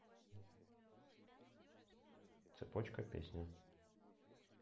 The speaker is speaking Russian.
цепочка песня